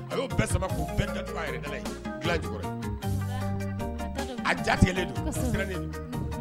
A y'o bɛɛ saba ko bɛɛ yɛrɛ ye ki cogo a jatigɛlen don siranlen